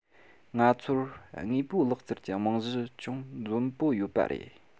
ང ཚོར དངོས པོའི ལག རྩལ གྱི རྨང གཞི ཅུང འཛོམས པོ ཡོད པ རེད